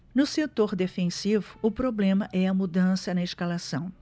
no setor defensivo o problema é a mudança na escalação